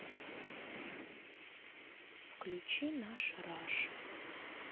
включи наша раша